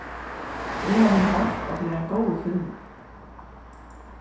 eg havi hoyrt at tað er ein góður filmur